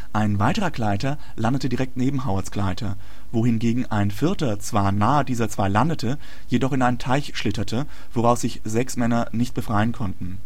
Ein weiterer Gleiter landete direkt neben Howards Gleiter, wohingegen ein vierter zwar nahe dieser zwei landete, jedoch in einen Teich schlitterte, woraus sich sechs Männer nicht befreien konnten